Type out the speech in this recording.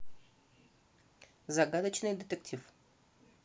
загадочный детектив